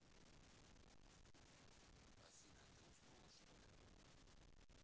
афина ты уснула что ли